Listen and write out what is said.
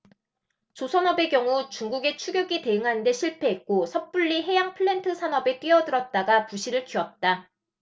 조선업의 경우 중국의 추격에 대응하는 데 실패했고 섣불리 해양플랜트 산업에 뛰어들었다가 부실을 키웠다